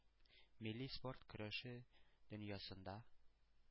Милли спорт көрәше дөньясында